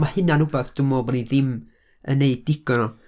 ma' hynna'n rywbeth dwi'm yn meddwl bo' ni ddim yn wneud digon o.